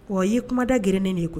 Wa i kuma da gɛlɛnrɛnnen de ye koyi